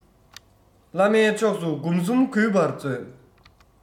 བླ མའི ཕྱོགས སུ སྒོམ གསུམ གུས པར མཛོད